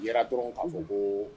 ye la dɔrɔn k'a fɔ ko